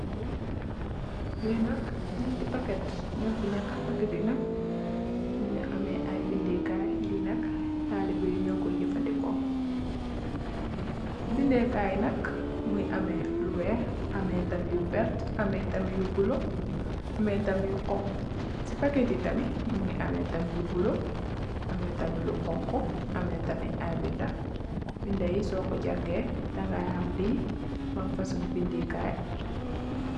Lii nak nyatti paket nyo fi nekk, paket yi nak, nyungi am ay bindekaay, li nak talibe yi nyo koy jafandiko, si bindekaay yi nak, mingi ame lu weex, mingi ame tamit lu verte, ame tamit yu bula, ame tamit yu xonxu, si paket yi tamit, nyingi ame tamit lu bula, ame tamit lu xonxu, ame tamit ay binda, binda yi so ko jange, di xam li ban fasong ngi bindekaay la.